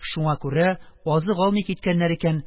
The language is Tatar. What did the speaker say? Шуңа күрә азык алмый киткәннәр икән,